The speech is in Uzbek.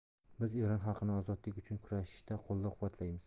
biz eron xalqini ozodlik uchun kurashida qo'llab quvvatlaymiz